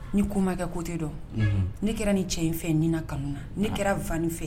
Ni ko ma kɛ, ko tɛ dɔn ,ne kɛra nin cɛ in fɛn ni na kanu na. Ne kɛra Van fɛ